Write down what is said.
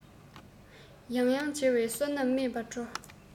ཡང ཡང མཇལ བའི བསོད ནམས སྨིན པས སྤྲོ